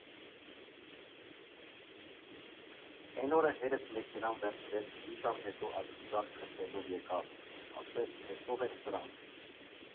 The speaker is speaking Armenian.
Էն օրը հերս մեքենան վերցրեց, մի ժամ հետո աջուձախ քրֆելով եկավ, ասեց՝ էս ո՜վ են սրանք։